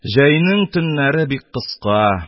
Җәйнең төннәре бик кыска.